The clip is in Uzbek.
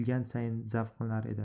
bilgan sayin zavqlanar edi